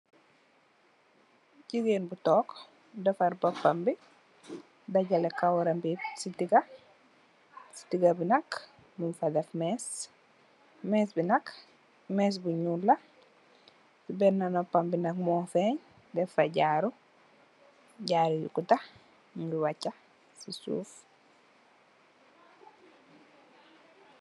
Jigéen bu toog, defar boppam bi, dagèlè kawar bi yèp ci diga. Ci diga bi nak mung fa deff mèss. Mèss bi nak mèss bu ñuul la. Ci benna nopam bi nak mu fèn, def fa jaaro, jaaro yu gudda nungi wacha ci suuf.